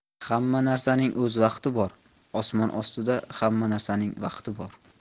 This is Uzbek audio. hamma narsaning o'z vaqti bor osmon ostida hamma narsaning vaqti bor